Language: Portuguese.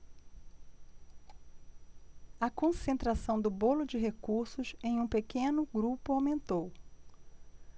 a concentração do bolo de recursos em um pequeno grupo aumentou